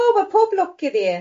O wel pob lwc iddi.